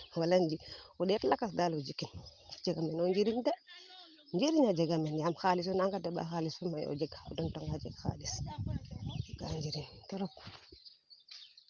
wala o ndet lakas daal o jikin te jikanong o njiriñ de njirin a jega nang xalis a naanga deɓa xalis fa mayu o jega donta nga jeg xalis a jega o njiriñ trop